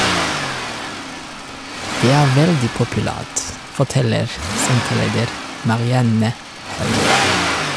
Det er veldig populært, forteller senterleder Marianne Høi.